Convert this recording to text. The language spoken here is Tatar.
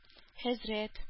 Хәзрәт